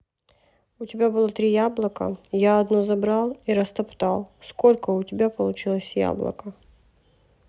у тебя было три яблока я одно забрал и растоптал сколько у тебя получилось яблоко